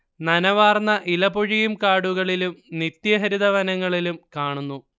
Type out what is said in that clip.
നനവാർന്ന ഇലപൊഴിയും കാടുകളിലും നിത്യഹരിതവനങ്ങളിലും കാണുന്നു